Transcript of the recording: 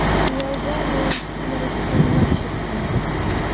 Кияүгә мин соңарып кына чыктым.